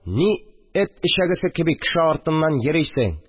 Ни эт эчәгесе кеби кеше артыннан йөрисең